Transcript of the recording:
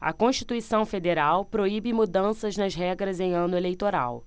a constituição federal proíbe mudanças nas regras em ano eleitoral